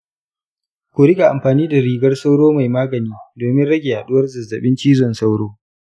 ku riƙa amfani da rigar sauro mai magani domin rage yaɗuwar zazzabin cizan sauro.